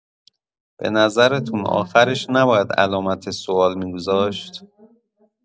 به نظرتون آخرش نباید علامت سوال می‌گذاشت؟